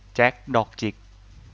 แจ็คดอกจิก